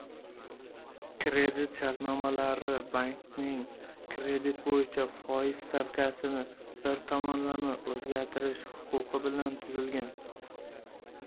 kredit shartnomalari bankning kredit bo'yicha foiz stavkasini bir tomonlama o'zgartirish huquqi bilan tuzilgan